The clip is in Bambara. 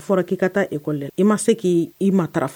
I taa e kɔ la i ma se k' i ma